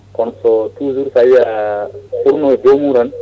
kono so toujours tawi a ɓurno jomum tan